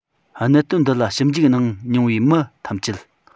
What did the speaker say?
གནད དོན འདི ལ ཞིབ འཇུག གནང མྱོང བའི མི ཐམས ཅད